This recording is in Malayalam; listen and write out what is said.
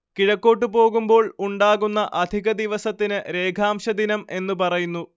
കിഴക്കോട്ടു പോകുമ്പോൾ ഉണ്ടാകുന്ന അധികദിവസത്തിന് രേഖാംശദിനം എന്നു പറയുന്നു